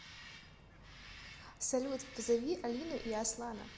салют позови алину и аслана